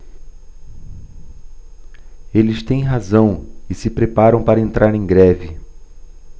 eles têm razão e se preparam para entrar em greve